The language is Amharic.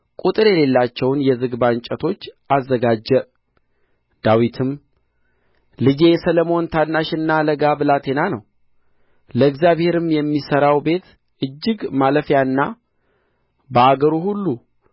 ቍጥር ያሌላቸውን የዝግባ እንጨቶች አዘጋጀ ዳዊትም ልጄ ሰሎሞን ታናሽና ለጋ ብላቴና ነው ለእግዚአብሔርም የሚሠራው ቤት እጅግ ማለፊያና በአገሩ ሁሉ